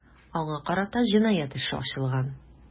Аңа карата җинаять эше ачылган.